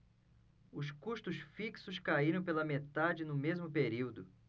os custos fixos caíram pela metade no mesmo período